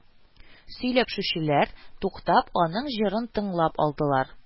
Сөйләпшүчеләр, туктап, аның җырын тыңлап алдылар